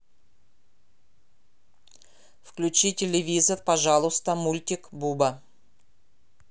включи телевизор пожалуйста мультик буба